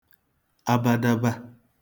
abadaba